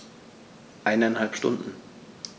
Eineinhalb Stunden